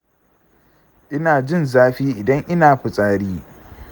inajin zafi idan ina fitsari